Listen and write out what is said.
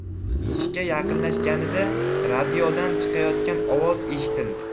eshikka yaqinlashganida radiodan chiqayotgan ovoz eshitildi